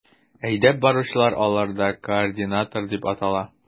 Әйдәп баручылар аларда координатор дип атала.